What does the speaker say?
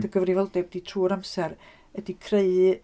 Dy gyfrifoldeb di drwy'r amser ydy creu...